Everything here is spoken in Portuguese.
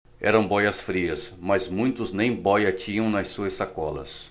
eram bóias-frias mas muitos nem bóia tinham nas suas sacolas